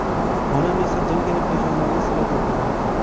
onam esa jimgina peshonamni silab o'tirardi